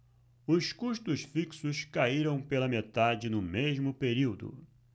os custos fixos caíram pela metade no mesmo período